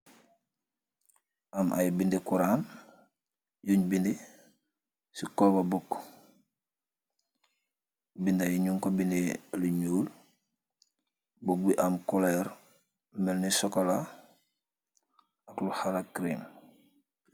Ay mbideh Alkuruàn yun biddi ci koffa buk. Bindayi ñjuko bindeh lu ñuul.